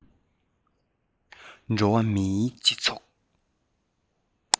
འགྲོ བ མིའི སྤྱི ཚོགས